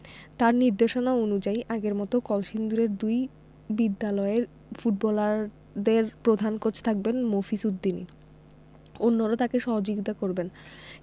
তাঁর নির্দেশনা অনুযায়ী আগের মতো কলসিন্দুরের দুই বিদ্যালয়ের ফুটবলারদের প্রধান কোচ থাকবেন মফিজ উদ্দিনই অন্যরা তাঁকে সহযোগিতা করবেন